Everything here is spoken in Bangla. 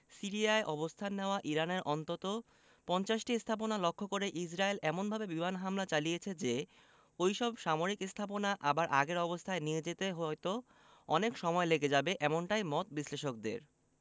সিরিয়ায় অবস্থান নেওয়া ইরানের অন্তত ৫০টি স্থাপনা লক্ষ্য করে ইসরায়েল এমনভাবে বিমান হামলা চালিয়েছে যে ওই সব সামরিক স্থাপনা আবার আগের অবস্থায় নিয়ে যেতে হয়তো অনেক সময় লেগে যাবে এমনটাই মত বিশ্লেষকদের